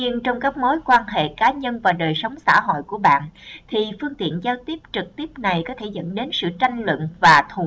tuy nhiên trong các mối quan hệ cá nhân và đời sống xã hội của bạn thì phương tiện giao tiếp trực tiếp này có thể dẫn đến tranh luận và sự thù địch